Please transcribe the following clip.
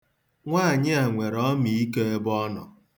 Nwaanyị a nwere ọmiiko ebe ọ nọ.